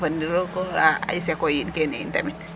Nu ne njafandikoora ay seko yiin kene yiin tamit?